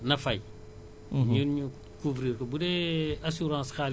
donc fii tamit dañuy ne baykat bi bu fekkee banque bi laaj na ko assurance